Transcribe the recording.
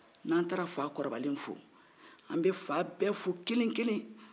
n'an taara fakɔrɔbalen fo an bɛ fa bɛ fo kelen kelen